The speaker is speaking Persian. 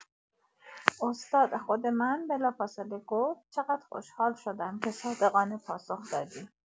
استاد خود من بلافاصله گفت چقدر خوشحال شدم که صادقانه پاسخ دادی!